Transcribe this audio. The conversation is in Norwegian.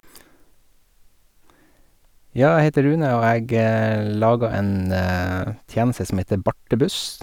Ja, jeg heter Rune og jeg laga en tjeneste som heter Bartebuss.